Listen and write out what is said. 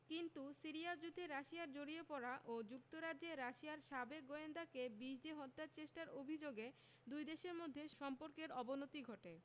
কিন্তু সিরিয়া যুদ্ধে রাশিয়ার জড়িয়ে পড়া ও যুক্তরাজ্যে রাশিয়ার সাবেক গোয়েন্দাকে বিষ দিয়ে হত্যাচেষ্টার অভিযোগে দুই দেশের মধ্যে সম্পর্কের অবনতি ঘটে